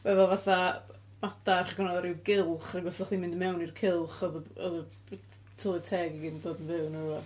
Oedd o fatha madarch, ac o' 'na rhyw gylch, ac os oedda chdi'n mynd mewn i'r cylch oedd y oedd y p- oedd y tylwyth teg i gyd yn dod yn fyw neu rywbeth.